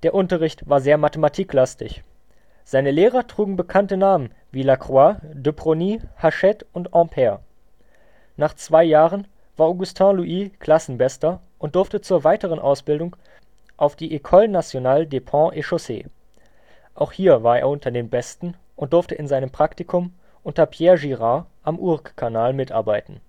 Unterricht war sehr mathematiklastig. Seine Lehrer trugen bekannte Namen wie Lacroix, de Prony, Hachette und Ampère. Nach zwei Jahren war Augustin-Louis Klassenbester und durfte zur weiteren Ausbildung auf die École Nationale des Ponts et Chaussées. Auch hier war er unter den Besten und durfte in seinem Praktikum unter Pierre Girard am Ourcq-Kanal mitarbeiten